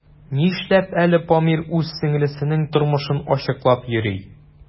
Нишләп әле Памир үз сеңлесенең тормышын ачыклап йөри?